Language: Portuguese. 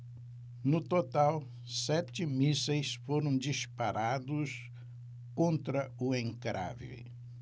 no total sete mísseis foram disparados contra o encrave